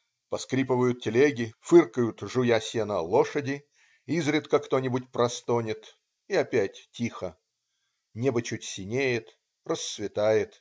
Поскрипывают телеги, фыркают, жуя сено, лошади, изредка кто-нибудь простонет и опять тихо. Небо чуть синеет, рассветает.